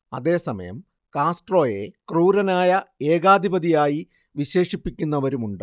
അതേ സമയം കാസ്ട്രോയെ ക്രൂരനായ ഏകാധിപതിയായി വിശേഷിപ്പിക്കുന്നവരുമുണ്ട്